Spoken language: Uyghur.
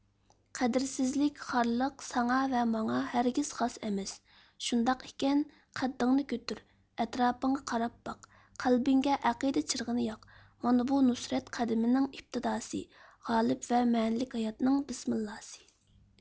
قەدىرسىزلىك خارلىق ساڭا ۋە ماڭا ھەرگىز خاس ئەمەس شۇنداق ئىكەن قەددىڭنى كۆتۈر ئەتراپىڭغا قاراپ باق قەلبىڭگە ئەقىدە چىرىغىنى ياق مانا بۇ نۇسرەت قەدىمىنىڭ ئىپتىداسى غالىپ ۋە مەنىلىك ھاياتنىڭ بىسمىللاسى